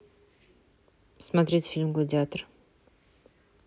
смотреть фильм гладиатор